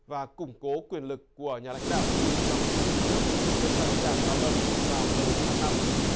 và củng cố quyền lực của nhà lãnh đạo kim rong un trong nước trước đại hội đảng lao động vào đầu tháng năm